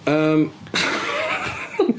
Yym ...